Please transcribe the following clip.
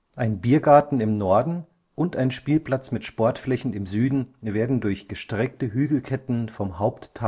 Ein Biergarten im Norden und ein Spielplatz mit Sportflächen im Süden werden durch gestreckte Hügelketten vom Haupttal abgeschirmt. Ein